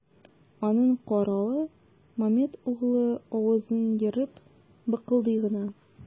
Аның каравы, Мамед углы авызын ерып быкылдый гына.